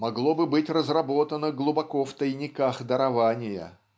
могло бы быть разработано глубоко в тайниках дарования